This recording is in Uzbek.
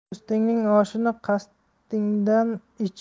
do'stingning oshini qasdingdan ich